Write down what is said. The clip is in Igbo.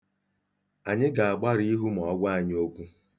Anyị ga-agbarụ ihu ma ọ gwa anyị okwu.